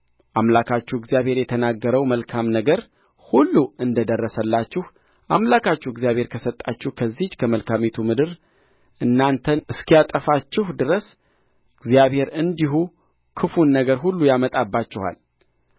አምላካችሁ እግዚአብሔር የተናገረው መልካም ነገር ሁሉ እንደ ደረሰላችሁ አምላካችሁ እግዚአብሔር ከሰጣችሁ ከዚህች ከመልካሚቱ ምድር እናንተን እስኪያጠፋችሁ ድረስ እግዚአብሔር እንዲሁ ክፉን ነገር ሁሉ ያመጣባችኋል